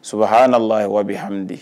Sabu hala la ye wa bɛ hamiden ye